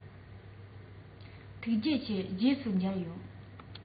ཐུགས རྗེ ཆེ རྗེས སུ མཇལ ཡོང